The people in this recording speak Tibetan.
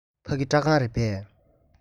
ཕ གི སྐྲ ཁང རེད པས